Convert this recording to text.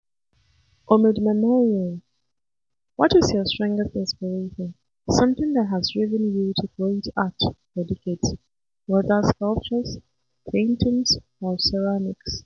Omid Memarian: What is your strongest inspiration, something that has driven you to create art for decades, whether sculptures, paintings, or ceramics?